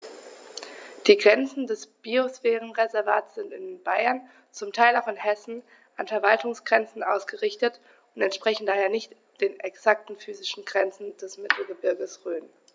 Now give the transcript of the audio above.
Die Grenzen des Biosphärenreservates sind in Bayern, zum Teil auch in Hessen, an Verwaltungsgrenzen ausgerichtet und entsprechen daher nicht exakten physischen Grenzen des Mittelgebirges Rhön.